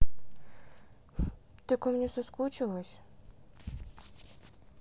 ты ко мне соскучилась